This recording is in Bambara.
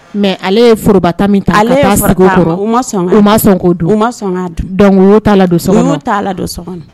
Mɛ ale ye foroba min ta ale